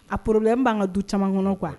A problème b'an'ŋa du caman ŋɔnɔ quoi